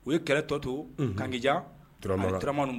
U ye kɛlɛ tɔ to kangeja turaura